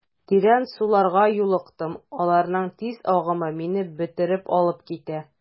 Тирән суларга юлыктым, аларның тиз агымы мине бөтереп алып китә.